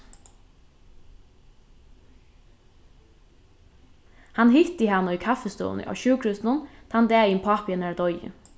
hann hitti hana í kaffistovuni á sjúkrahúsinum tann dagin pápi hennara doyði